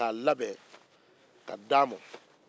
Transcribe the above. k'a labɛn ka di a ma